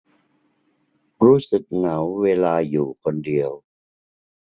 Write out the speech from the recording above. รู้สึกเหงาเวลาอยู่คนเดียว